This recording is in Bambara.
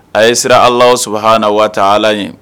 A' ye sira ala saba h na waa ala ye